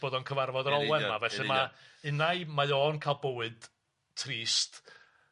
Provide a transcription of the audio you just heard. bod o'n cyfarfod yr Olwen 'ma felly ma' unai mae o'n ca'l bywyd trist